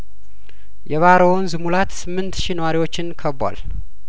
የባሮ ወንዝ ሙላት ስምንት ሺ ነዋሪዎችን ከቧል